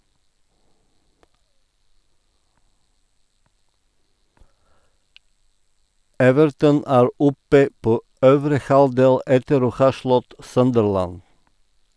Everton er oppe på øvre halvdel, etter å ha slått Sunderland.